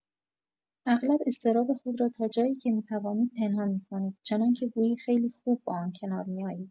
اغلب اضطراب خود را تا جایی که می‌توانید پنهان می‌کنید، چنان‌که گویی خیلی خوب با آن کنار می‌آیید.